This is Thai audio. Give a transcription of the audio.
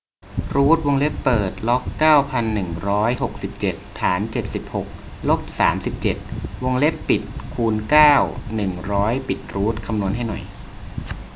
รูทวงเล็บเปิดล็อกเก้าพันหนึ่งร้อยหกสิบเจ็ดฐานเจ็ดสิบหกลบสามสิบเจ็ดวงเล็บปิดคูณเก้าหนึ่งร้อยปิดรูทคำนวณให้หน่อย